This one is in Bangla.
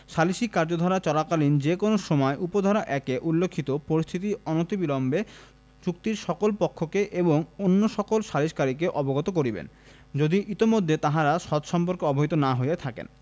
সালিসী কার্যধারা চলাকালীন যে কোন সময় উপ ধারা ১ এ উল্লেখিত পরিস্থিতি অনতিবিলম্বে চুক্তির সকল পক্ষকে এবং অন্য সকল সালিসকারীকে অবগত করিবেন যদি ইতোমধ্যে তাহারা তৎসম্পর্কে অবহিত না হইয়া থাকেন